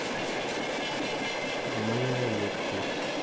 ну и олег ты